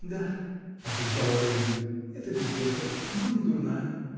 -- Да, -- отвечала Лиза, -- это безделка, но недурная.